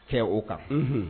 Kɛ o kan ,unhun.